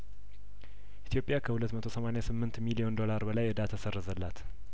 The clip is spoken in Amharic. ኢትዮጵያ ከሁለት መቶ ሰማኒያስምንት ሚሊዮን ዶላር በላይ እዳ ተሰረዘላት